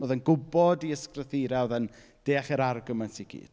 Oedd yn gwybod ei ysgrythurau oedd e'n deall yr arguments i gyd.